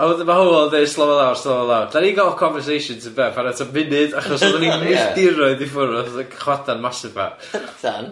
A wedyn ma' Hywel'n dweud slofa lawr slofa lawr, dan ni'n gal conversations sy'n be, para ta munud achos odda ni ffiltiroedd i ffwrdd o'r fatha chwadan massive ma. Chwadan?